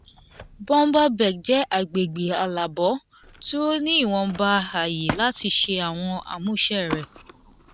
Boumba Bek jẹ́ agbègbè aláàbò tí ó ní ìwọ̀nba àyè láti ṣe àwọn àmúṣe rẹ̀.